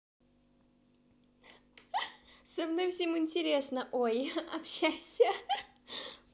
со мной всем интересно ой общайся